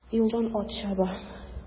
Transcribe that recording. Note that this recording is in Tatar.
Юлдан ат чаба.